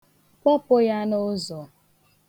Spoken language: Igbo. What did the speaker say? Kpọpu ya n' ụzọ.